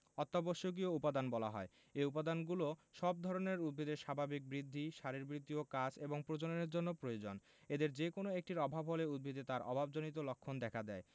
অত্যাবশ্যকীয় উপাদান বলা হয় এই উপাদানগুলো সব ধরনের উদ্ভিদের স্বাভাবিক বৃদ্ধি শারীরবৃত্তীয় কাজ এবং প্রজননের জন্য প্রয়োজন এদের যেকোনো একটির অভাব হলে উদ্ভিদে তার অভাবজনিত লক্ষণ দেখা দেয়